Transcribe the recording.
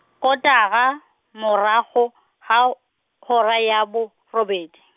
kotara, morago, hao-, hora ya borobedi.